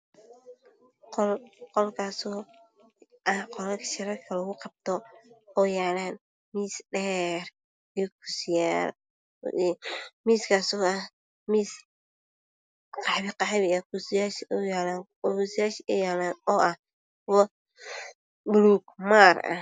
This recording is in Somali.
Waa qol oo ah qolka shirarka lugu qabto waxaa yaalo miis dheer iyo kuraasman. Miiskaas qaxwi ah iyo kuraasman waa buluug maari.